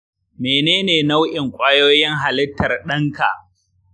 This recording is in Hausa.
menene nau’in kwayoyin halittar ɗanka?